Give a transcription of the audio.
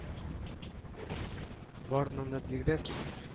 Барыннан да бигрәк